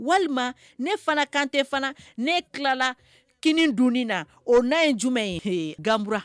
Walima ne fana kante fana ne tilala k dun na o n'a ye jumɛnuma ye gakura